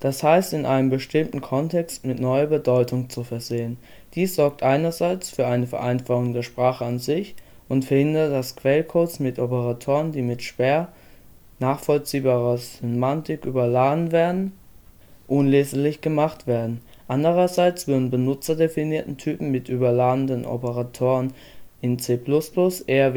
das heißt in einem bestimmten Kontext mit neuer Bedeutung zu versehen. Dies sorgt einerseits für eine Vereinfachung der Sprache an sich und verhindert, dass Quellcodes mit Operatoren, die mit schwer nachvollziehbarer Semantik überladen werden, unleserlich gemacht werden. Andererseits würden benutzerdefinierte Typen mit überladenen Operatoren in C++ eher